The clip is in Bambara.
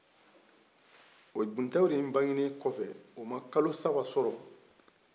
bunitahiru bagennen kɔfɛ o ma kalo saba sɔrɔ